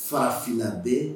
Farafinna den!